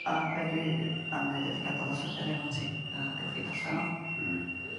A be' dwi yy am neud ydi gadal y llythyr efo ti a gewch chi darllan o. Hmm.